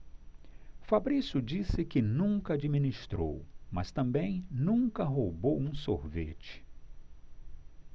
fabrício disse que nunca administrou mas também nunca roubou um sorvete